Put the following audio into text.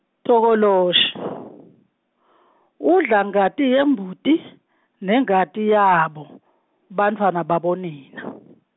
Tokoloshi , udla ngati yambuzi, nengati yabo, bantfwana babo nina.